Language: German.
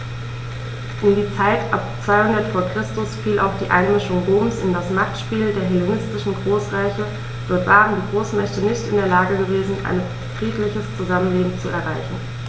In die Zeit ab 200 v. Chr. fiel auch die Einmischung Roms in das Machtspiel der hellenistischen Großreiche: Dort waren die Großmächte nicht in der Lage gewesen, ein friedliches Zusammenleben zu erreichen.